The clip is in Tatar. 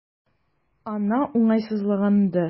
Анна уңайсызланды.